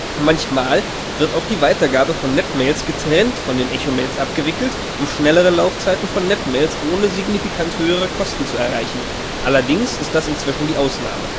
Manchmal wird auch die Weitergabe von Netmails getrennt von den Echomails abgewickelt, um schnellere Laufzeiten von Netmails ohne signifikant höhere Kosten zu erreichen, allerdings ist das inzwischen die Ausnahme